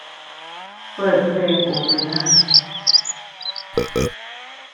เปิดเพลงโอเปร่า